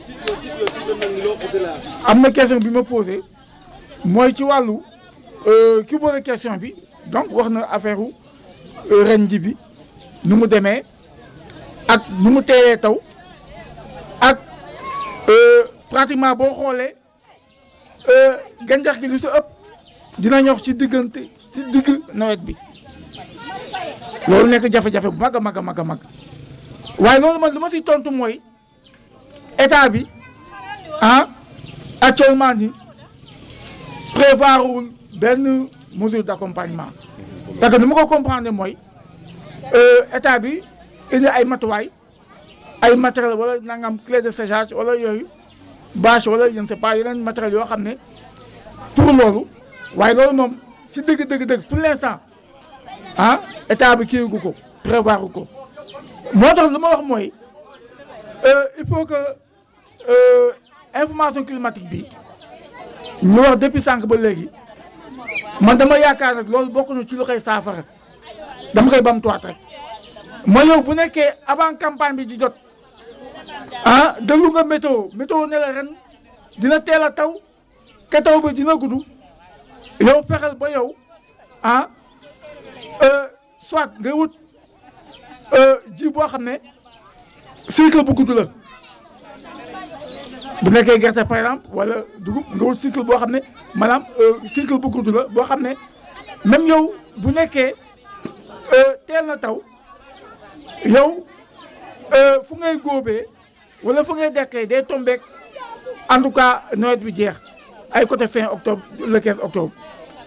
am na question bu ñu ma posée mooy ci wàllu ki posé question bi donc wax na affaire ren ji bi nu mu demee ak nu mu teelee taw ak pratiquement boo xoolee gàncax gi lu si ëpp dina ñor ci diggante si digg nawet bi loolu nekk jafe-jafe bu mag a mag a mag waaye loolu man lu ma siy tontu mooy état bi ah actuellement nii prévoir rul benn mesure d' accompagnement parce que ni ma ma ko comprendre mooy état bi indi ay matuwaay ay matériels wala nangam clé de séchage wala yooyu bâche wala je ne sais pas yeneen matériels yoo xam ne turu loolu waaye loolu moom sa dëgg dëgg dëgg pour l' instabat ah état bi kiiwagu ko prévoir ko moo tax lu ma wax mooy il faut que information climatique bi ma wax depuis sànq ba léegi man da ma yaakaar rek loolu bokk na ci li koy saafara da ma koy bamtuwaat rek mooy yow bu nekkee avant campagne bi di jot ah déglu nga météo météo nee na ren dina teel a taw te taw bi di na gudd yow fexee ba yow ah soit wut ji boo xam ne cycle bu gudd la bu nekkee gerte par exemple wala dugub nga wut cycle boo xam ne maanaam cycle bu gudd la boo xam ne même yow bu nekkee teel na taw yow fu ngay góobee wala fu ngay deqee day tombeeg en tout cas nawet bi jeex ay côté fin octobre le 15 octobre